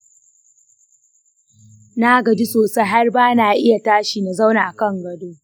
na gaji sosai har bana iya tashi na zauna a kan gado.